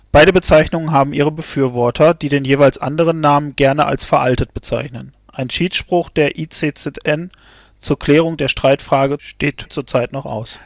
Beide Bezeichnungen haben ihre Befürworter, die den jeweils anderen Namen gerne als " veraltet " bezeichnen. Ein Schiedsspruch der ICZN zur Klärung der Streitfrage steht zur Zeit noch aus